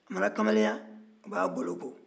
a mana kamalenya u b'a boloko